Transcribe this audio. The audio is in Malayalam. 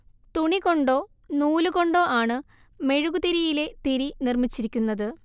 തുണി കൊണ്ടോ നൂലുകൊണ്ടോ ആണ് മെഴുകുതിരിയിലെ തിരി നിർമ്മിച്ചിരിക്കുന്നത്